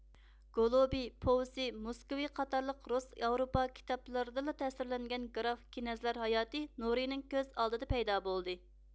گولۇبى پوۋسېي موسكۋى قاتارلىق رۇس ياۋروپا كىتابلىرىدىلا تەسۋىرلەنگەن گراف كىنەزلەر ھاياتى نۇرىنىڭ كۆز ئالدىدا پەيدا بولدى